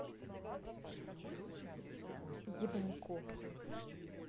ебанько